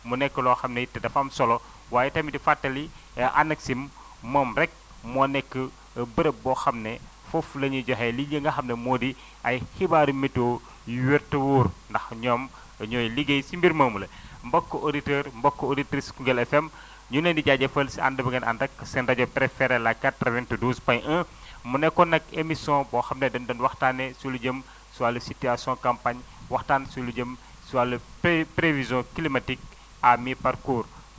mu nekk loo xam ne it dafa am solo waaye tamit di fàttali ANACIM moom rek moo nekk béréb boo xam ne foofu la ñuy joxee lii di li nga xam ne moo di ay xibaaru météo yu wér te wóor ndax ñoom ñooy liggéey si mbir moomule mbokku auditeurs mbokku auditrices Koungheul FM ñu ngi leen di jaajëfal si ànd bu ngeen ànd ak seen rajo préférée la 92.1 mu nekkoon nag émission boo xam ne dañu doon waxtaanee si lu jëm si wàllu situation campagne waxtaan si lu jëm si wàllu prévision climatique à mi parcours